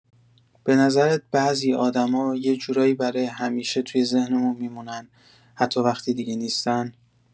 به نظرت بعضی آدما یه‌جورایی برای همیشه توی ذهنمون می‌مونن، حتی وقتی دیگه نیستن؟